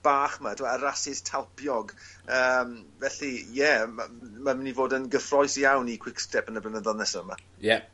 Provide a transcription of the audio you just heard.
bach 'ma ydyw e? Y rasys talpiog yym felly ie ma' m- ma' myn' i fod yn gyffrous iawn i Quickstep yn y blynyddodd nesa 'ma. Ie.